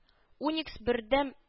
“уникс” бердәм